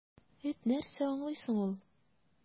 Эт нәрсә аңлый соң ул!